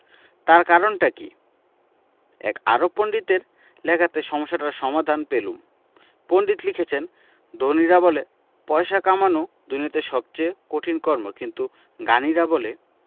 তার কারণটা কি এক আরব পণ্ডিতের লেখাতে সমস্যাটার সমাধান পেলুম পণ্ডিত লিখেছেন ধনীরা বলে পয়সা কামানো দুনিয়াতে সবচেয়ে কঠিন কর্ম কিন্তু জ্ঞানীরা বলেন